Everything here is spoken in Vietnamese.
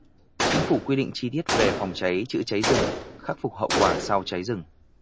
chính phủ quy định chi tiết về phòng cháy chữa cháy rừng khắc phục hậu quả sau cháy rừng